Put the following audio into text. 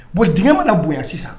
Bon dingɛ mana bonya sisan